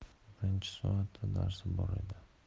birinchi soatda darsi bor edi